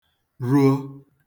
ruo